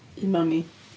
Umami.